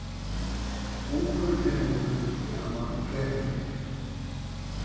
ungur nemur gamal fremur